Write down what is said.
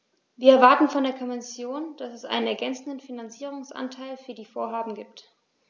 Wir erwarten von der Kommission, dass es einen ergänzenden Finanzierungsanteil für die Vorhaben gibt.